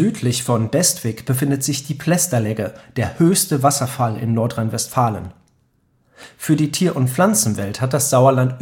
Südlich von Bestwig befindet sich die Plästerlegge, der höchste Wasserfall in Nordrhein-Westfalen. Plästerlegge Für die Tier - und Pflanzenwelt hat das Sauerland